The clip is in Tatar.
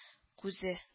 Күзе